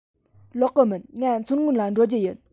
ལོག གི མིན ང མཚོ སྔོན ལ འགྲོ རྒྱུ ཡིན